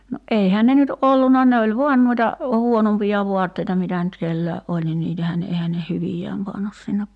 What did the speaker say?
no eihän ne nyt ollut ne oli vain noita huonompia vaatteita mitä nyt kenelläkin oli niin niitähän ne eihän ne hyviään pannut sinne